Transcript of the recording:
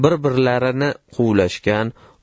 bir birini quvlashgan